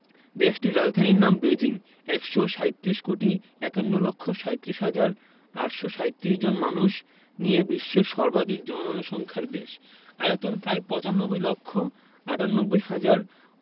দেশটির রাজধানীর নাম বেইজিং ১৩৭ কোটি ৫১ লক্ষ ৩৭ হাজার ৮৩৭ জন মানুষ নিয়ে বিশ্বের সর্বাধিক জনসংখ্যার দেশ আয়তন প্রায় ৯৫ লক্ষ ৯৮ হাজার